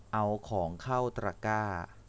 เอาของเข้าตะกร้า